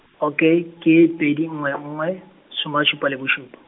okay, ke pedi nngwe nngwe, soma a supa le bo supa.